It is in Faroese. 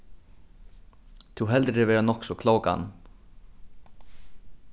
tú heldur teg vera nokk so klókan